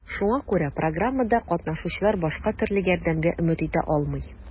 Шуңа күрә программада катнашучылар башка төрле ярдәмгә өмет итә алмый.